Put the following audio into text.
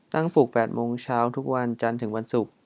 ตั้งปลุกแปดโมงเช้าทุกวันจันทร์ถึงวันศุกร์